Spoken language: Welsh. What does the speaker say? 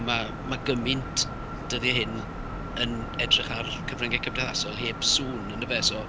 Ma' ma' gymaint dyddiau hyn yn edrych ar cyfryngau cymdeithasol heb sŵn yn dyfe so.